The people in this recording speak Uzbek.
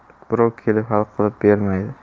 kelib hal qilib bermaydi